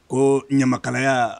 Ko ɲamakalaya